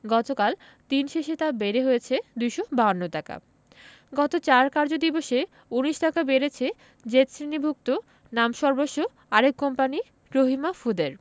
গতকাল দিন শেষে তা বেড়ে হয়েছে ২৫২ টাকা গত ৪ কার্যদিবসে ১৯ টাকা বেড়েছে জেড শ্রেণিভুক্ত নামসর্বস্ব আরেক কোম্পানি রহিমা ফুডের